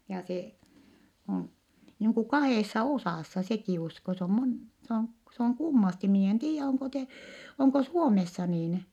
ja se on niin kuin kahdessa osassa sekin usko se on - se on se on kummasti minä en tiedä onko - onko Suomessa niin